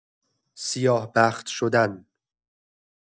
سیاه‌بخت شدن